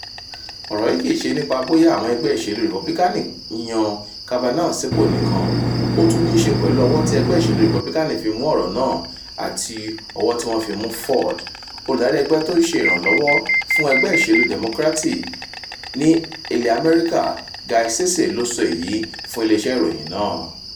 “Ọ̀rọ̀ yìí kìí ṣe nípa bóyá àwọn ẹgbẹ́ ìṣèlú Rìpúbílíkáànì yan Kavanaugh sípò nìkan, ó tún nííṣe pẹ̀lú ọwọ́ tí ẹgbẹ́ ìṣèlú Rìpúbílíkáànì fi mú ọ̀rọ̀ náà àti ọwọ́ tí wọ́n fi mú Ford” Olùdarí ẹgbẹ́ tó ń ṣe ìrànlọ́wọ́ fún ẹgbẹ́ ìṣèlú Dẹ́mókírààtì Priorities USA, Guy Cecil ló sọ èyí fún ilé iṣẹ́ ìròyìn náà.